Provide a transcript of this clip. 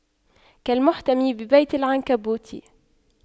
كالمحتمي ببيت العنكبوت